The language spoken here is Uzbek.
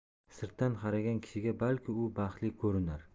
sirtdan qaragan kishiga balki u baxtli ko'rinar